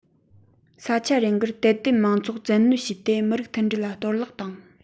ས ཆ རེ འགར དད ལྡན མང ཚོགས བཙན གནོན བྱས ཏེ མི རིགས མཐུན སྒྲིལ ལ གཏོར བརླག དང